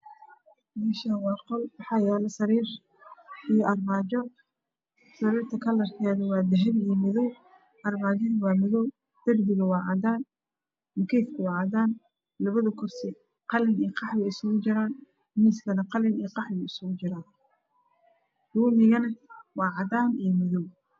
Mashan waa qol wax yalo jiif kalar kisi waa cadan iyo madow guriga waa cadan mis iyo kursi kalar kode waa cadan iyo qahwi